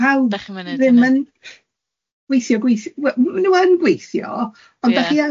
pawb ddim yn gweithio gweith- wel man nw yn gweithio, ond... Ia...